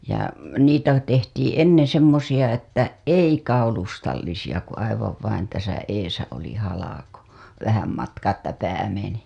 ja niitä tehtiin ennen semmoisia että ei kaulustallisia kun aivan vain tässä edessä oli halko vähän matkaa että pää meni